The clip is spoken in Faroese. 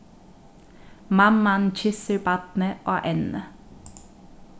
mamman kyssir barnið á ennið